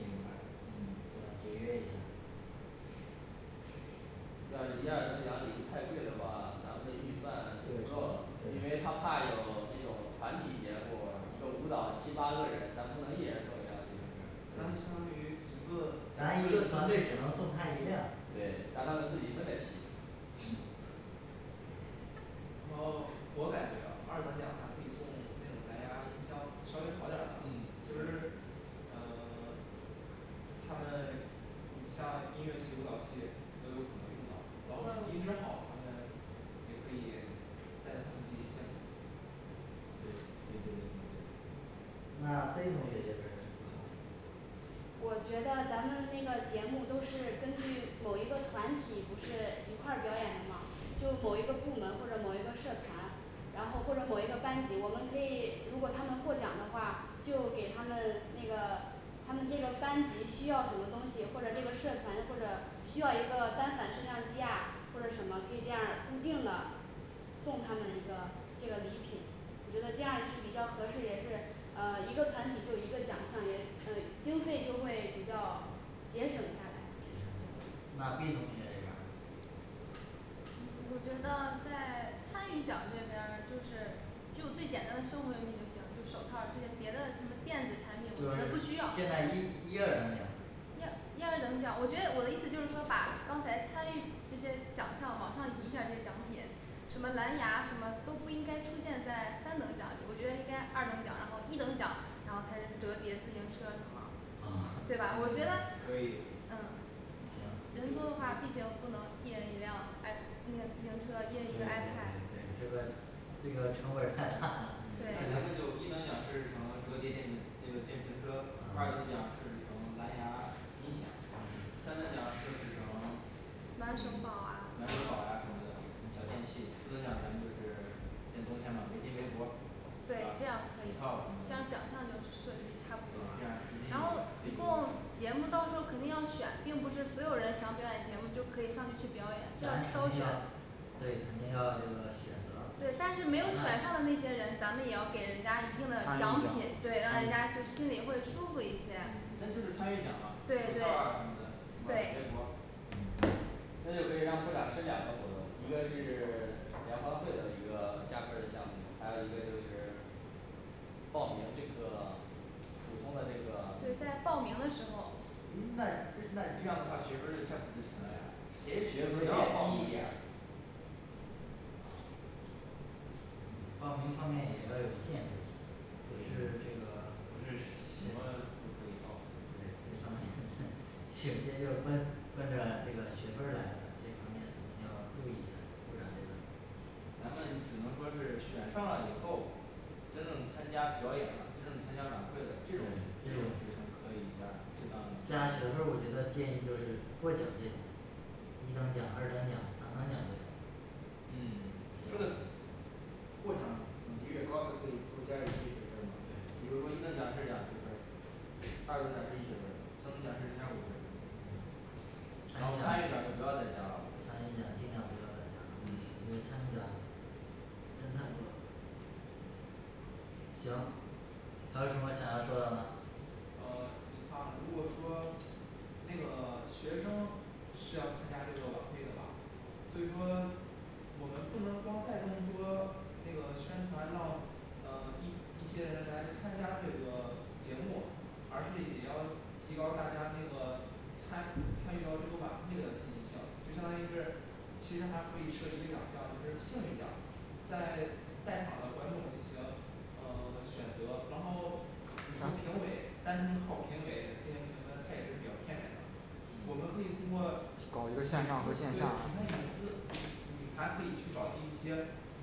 嗯要是一二等奖礼物太贵的话，咱们的预算就不对够了，因为他对怕有那种团体节目儿一个舞蹈七八个人，咱不能一人送一辆自行车儿啊咱们相当于一个咱一个团队只能送他一辆对让他们自己分得骑然后我感觉二等奖还可以送那种蓝牙音箱稍微好点儿的嗯就是嗯呃 他们你像音乐系舞蹈系都有可能用到然后也可以带动他们积极性对对对对对对我觉得咱们那个节目都是根据某一个团体不是一块儿表演的吗？就某一个部门或者某一个社团然后或者某一个班级，我们可以如果他们获奖的话就给他们那个他们这个班级需要什么东西，或者这个社团或者需要一个单反摄像机呀或者什么，可以这样儿固定的节省经费，那B同学这边儿嗯我觉得在参与奖这边儿，就是就最简单的生活用品就行就手套儿，就是别的什么电子产品就不是需要现在一一二等奖一二一二等奖我觉得我的意思就是说把刚才参与这些奖项往上移一下儿这奖品什么蓝牙什么都不应该出现在三等奖，我觉得应该二等奖，然后一等奖，然后才是折叠自行车什么啊对吧嗯我觉得可以嗯行人多的话，毕竟不能一人一辆自行车一人一对台这个这个成本儿太大那咱了 们就一等奖设置成折叠电车 那个电瓶车，二等啊奖设置成蓝牙音响嗯，三等奖设置成暖手宝啊暖手宝呀什么的小电器四等奖，咱们就是因为冬天嘛围巾围脖儿对吧手套儿什么，对这样儿资金可以咱肯定要对，肯定要这个选择往对，但是他没有选上的上那些人，咱们也要给人家一定的奖品嗯对让人家去心里会舒服一些那就是参与奖啊手套儿对啊什么的什么围对脖儿嗯行那就可以让部长申两个活动，一个是 联欢会的一个加分儿的项目，还有一个就是 报名这个普通的这对个在报名的时候嗯那至 那你这样的话学分儿就太不值钱了呀谁只学分儿要报变低一点儿嗯报名方面也要有限制咱们只能说是选上了以后真正参加表演了，真正参加晚会的这种这种学生可以加适当加学分儿，我觉得建议就是获奖这种一等奖二等奖三等奖这种这个获奖等级越高就可以多加一些学分儿嘛，对比如说一等奖是两学分儿二等奖是一学分儿，三等奖是零点五学分儿嗯然后参与奖就不要再加了我觉得嗯行还有什么想要说的吗呃你看如果说那个学生是要参加这个晚会的吧所以说我们不能光带动说那个宣传到呃一一些人来参加这个节目而是也要提高大家那个参参与到这个晚会的积极性，就相当于是其实还可以设一个奖项，就是幸运奖嗯